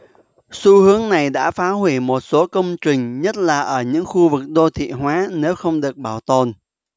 xu hướng này đã phá hủy một số công trình nhất là ở những khu vực đô thị hóa nếu không được bảo tồn